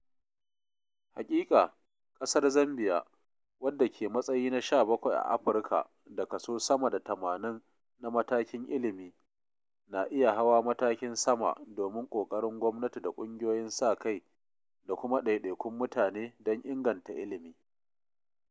Haƙiƙa, ƙasar Zambia, wadda ke matsayi na 17 a Afirka da kaso sama da 80 na matakin ilimi, na iya hawa matakin sama domin ƙoƙarin gwamnati da ƙungiyoyin sa-kai da kuma ɗaiɗaikun mutune don inganta ilimi.